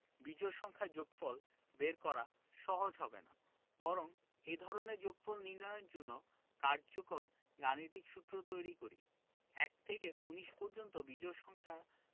বিজোড় সংখ্যার যোগফল বের করা সহজ হবে না বরং এ ধরনের যোগফল নির্ণয়ের জন্য কার্যকর গাণিতিক সূত্র তৈরি করি ১ থেকে ১৯ পর্যন্ত বিজোড় সংখ্যা